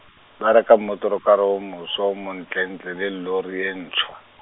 ba reka motorokara o moswa o montle ntle le lori e ntshwa.